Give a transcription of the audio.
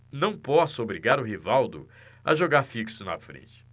não posso obrigar o rivaldo a jogar fixo na frente